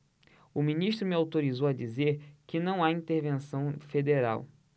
o ministro me autorizou a dizer que não há intervenção federal